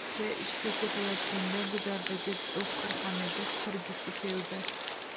kecha ishga ketayotganida guzardagi do'xtirxonaga kirgisi keldi